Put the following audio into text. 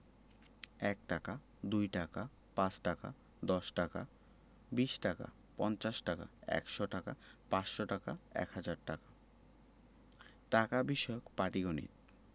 ১ টাকা ২ টাকা ৫ টাকা ১০ টাকা ২০ টাকা ৫০ টাকা ১০০ টাকা ৫০০ টাকা ১০০০ টাকা টাকা বিষয়ক পাটিগনিতঃ